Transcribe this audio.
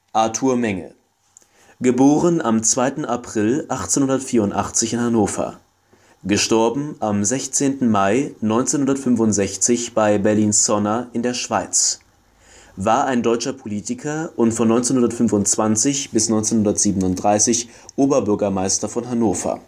Arthur Menge (* 2. April 1884 in Hannover; † 16. Mai 1965 bei Bellinzona, Schweiz) war ein deutscher Politiker und von 1925 bis 1937 Oberbürgermeister von Hannover